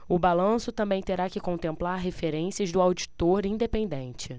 o balanço também terá que contemplar referências do auditor independente